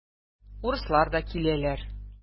Урыслар да киләләр.